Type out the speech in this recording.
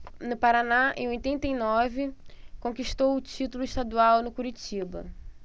no paraná em oitenta e nove conquistou o título estadual no curitiba